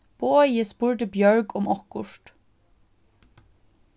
bogi spurdi bjørg um okkurt